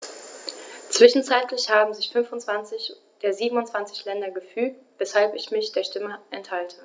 Zwischenzeitlich haben sich 25 der 27 Länder gefügt, weshalb ich mich der Stimme enthalte.